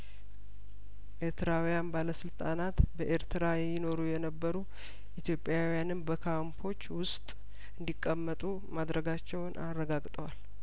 ኤርትራውያን ባለስልጣናት በኤርትራ ይኖሩ የነበሩ ኢትዮጵያውያንም በካምፖች ውስጥ እንዲ ቀመጡ ማድረጋቸውን አረጋግጠዋል